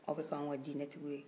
aw bɛ kɛ anw ka dinɛtigiw ye